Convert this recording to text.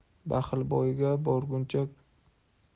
baxil boyga borguncha